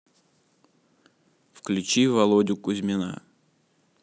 включи володю кузьмина